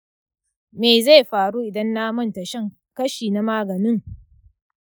me zai faru idan na manta shan kashi na magani?